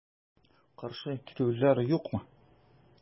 Каршы килүләр юкмы?